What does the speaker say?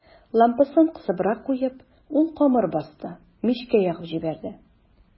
Лампасын кысыбрак куеп, ул камыр басты, мичкә ягып җибәрде.